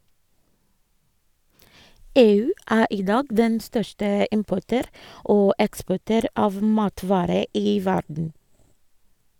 EU er i dag den største importør og eksportør av matvarer i verden.